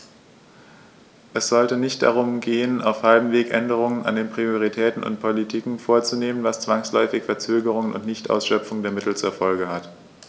Es sollte nicht darum gehen, auf halbem Wege Änderungen an den Prioritäten und Politiken vorzunehmen, was zwangsläufig Verzögerungen und Nichtausschöpfung der Mittel zur Folge hat.